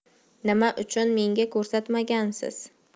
nima uchun menga ko'rsatmagansiz